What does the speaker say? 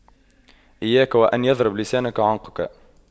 إياك وأن يضرب لسانك عنقك